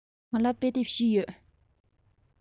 ང ལ དཔེ དེབ བཞི ཡོད